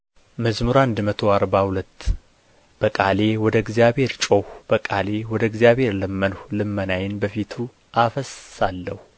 መዝሙር መቶ አርባ ሁለት በቃሌ ወደ እግዚአብሔር ጮኽሁ በቃሌ ወደ እግዚአብሔር ለመንሁ ልመናዬን በፊቱ አፈስሳለሁ